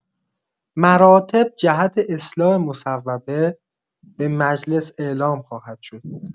مراتب جهت اصلاح مصوبه‌، به مجلس اعلام خواهد شد.